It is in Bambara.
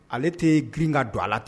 Ale tɛ grin ka don ala ten.